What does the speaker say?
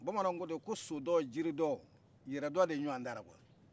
bamananw kote ko so dɔn jiri dɔn yɛrɛ dɔn de ɲɔgɔn tɛ